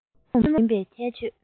ཐུན མོང མིན པའི ཁྱད ཆོས